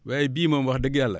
waaye bii moom wax dëgg Yàlla